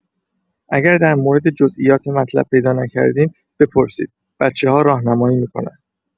اگر در مورد جزییات مطلب پیدا نکردین، بپرسید، بچه‌ها راهنمایی می‌کنن.